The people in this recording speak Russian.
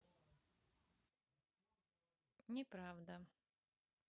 неправда